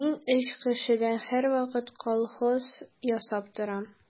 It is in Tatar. Мин өч кешедән һәрвакыт колхоз ясап торам.